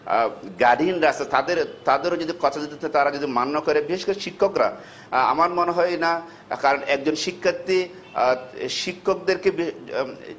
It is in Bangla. গারডিয়ানরা আছে তাদের তাদের কথা যদি তারা মান্য করে বিশেষ করে শিক্ষকরা আমার মনে হয় না এক শিক্ষার্থী শিক্ষকদেরকে